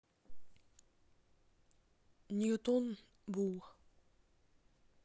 ньютон бул